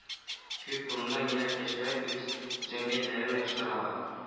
Күп урында милләттәшләр үз җәмгыятьләрен оештыралар